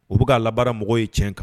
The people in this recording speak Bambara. U bɛka ka lara mɔgɔ ye tiɲɛ kan